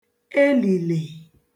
elìlè